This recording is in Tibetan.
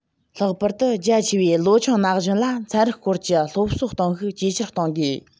ལྷག པར དུ རྒྱ ཆེ བའི ལོ ཆུང ན གཞོན ལ ཚན རིག སྐོར གྱི སློབ གསོ གཏོང ཤུགས ཇེ ཆེར གཏོང དགོས